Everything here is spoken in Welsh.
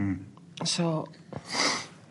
Hmm. So